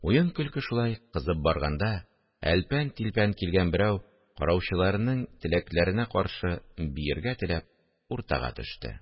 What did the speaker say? Уен-көлке шулай кызып барганда, әлпән-тилпән килгән берәү, караучыларның теләкләренә каршы, биергә теләп, уртага төште.